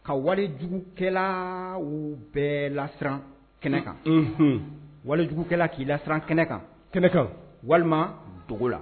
Ka warijugukɛla u bɛɛ laran kɛnɛ kan walijugukɛla k'i lasrenran kɛnɛ kan kɛnɛkan walima dogo la